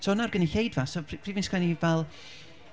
So 'na'r gynulleidfa. So p- pryd fi'n sgwennu fel